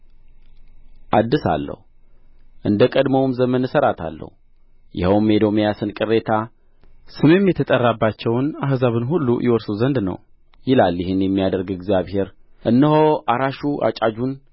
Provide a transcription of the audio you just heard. አድሳለሁ እንደ ቀደመውም ዘመን እሠራታለሁ ይኸውም የኤዶምያስን ቅሬታ ስሜም የተጠራባቸውን አሕዛብን ሁሉ ይወርሱ ዘንድ ነው ይላል ይህን የሚያደርግ እግዚአብሔር እነሆ አራሹ አጫጁን